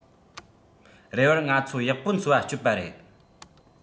རེ བར ང ཚོ ཡག པོ འཚོ བ སྤྱོད པ རེད